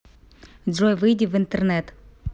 джой выйди в интернет